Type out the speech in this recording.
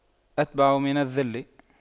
أتبع من الظل